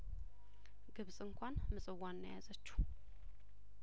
ግብጽ እንኳንምጽዋን ነው የያዘችው